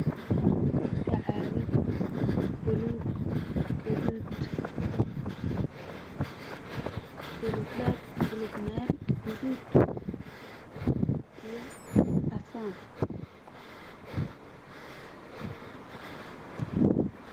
Waa sakaalo midabkoodu yihiin buluug guduud